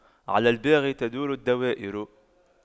على الباغي تدور الدوائر